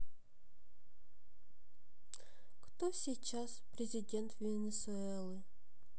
кто сейчас президент венесуэлы